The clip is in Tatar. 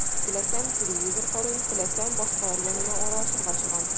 Теләсәм – телевизор карыйм, теләсәм – башкалар янына аралашырга чыгам.